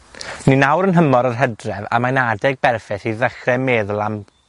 Ni nawr yn nhymor yr Hydref, a mae'n adeg berffeth i ddechre meddwl am